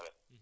surtout ça